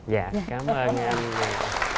dạ cảm ơn